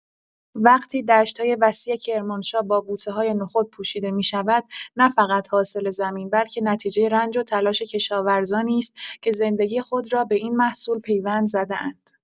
وقتی دشت‌های وسیع کرمانشاه با بوته‌های نخود پوشیده می‌شود، نه‌فقط حاصل زمین بلکه نتیجه رنج و تلاش کشاورزانی است که زندگی خود را به این محصول پیوند زده‌اند.